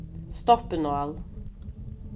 stoppinál